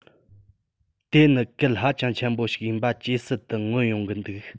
དེ ནི གལ ཧ ཅང ཆེན པོ ཞིག ཡིན པ ཇེ གསལ དུ མངོན ཡོང གི འདུག